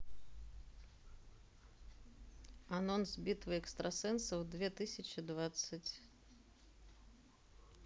анонс битвы экстрасенсов две тысячи двадцать